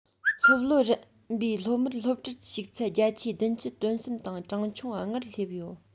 སློབ ལོ རན པའི སློབ མ སློབ གྲྭར ཞུགས ཚད བརྒྱ ཆའི བདུན ཅུ དོན གསུམ དང གྲངས ཆུང ལྔར སླེབས ཡོད